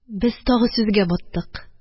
Без тагы сүзгә баттык.